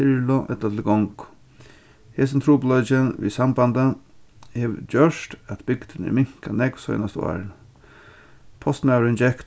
tyrlu ella til gongu hesin trupulleikin við sambandi hevur gjørt at bygdin er minkað nógv seinastu árini postmaðurin gekk